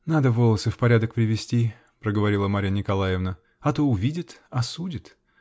-- Надо волосы в порядок привести, -- проговорила Марья Николаевна .-- А то увидит -- осудит.